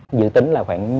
dự tính là khoảng